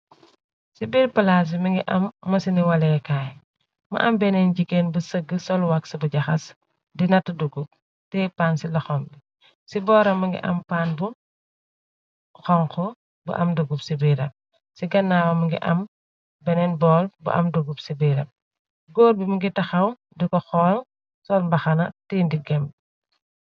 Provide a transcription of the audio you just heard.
Si biir palaas bi mi ngi am mësini waleekaay, mu am beneen jigeen bu sëgg sol wagsi bu jaxas di nat duggub, tiye pan ci loxom bi, ci booram mi ngi am pan bu xonxa bu am dugub ci biiram, ci gannaawam mi ngi am beneen bool bu am duggub ci biiram, góor bi mi ngi taxaw di ko xool, sol mbaxana tiye ndigem.